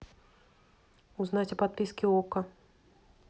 узнать о подписке окко